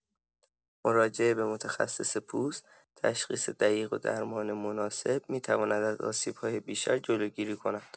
مراجعه به متخصص پوست، تشخیص دقیق و درمان مناسب می‌تواند از آسیب‌های بیشتر جلوگیری کند.